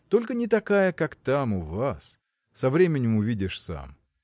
только не такая, как там, у вас; со временем увидишь сам.